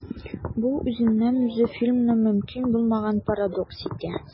Бу үзеннән-үзе фильмны мөмкин булмаган парадокс итә.